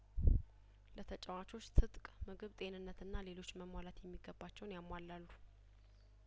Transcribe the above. ለተጫዋቾች ትጥቅምግብ ጤንነትና ሌሎች መሟላት የሚገባቸውን ያሟላሉ